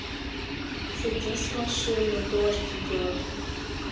садись в машину дождь идет